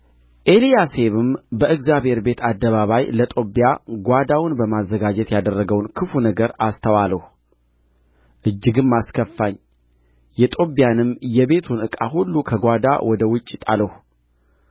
ኤልያሴብም በእግዚአብሔር ቤት አደባባይ ለጦብያ ጓዳውን በማዘጋጀት ያደረገውን ክፉ ነገር አስተዋልሁ እጅግም አስከፋኝ የጦብያንም የቤቱን ዕቃ ሁሉ ከጓዳ ወደ ውጪ ጣልሁ